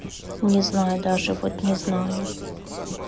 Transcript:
не знаю даже вот не знаю